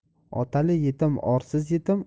otali yetim orsiz yetim